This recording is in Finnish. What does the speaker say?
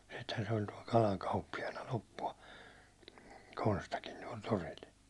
sitten se oli tuolla kalan kauppiaana loppua Konstakin tuolla torilla